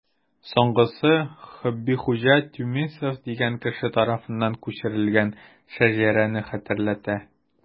Соңгысы Хөббихуҗа Тюмесев дигән кеше тарафыннан күчерелгән шәҗәрәне хәтерләтә.